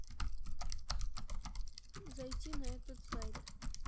зайти на этот сайт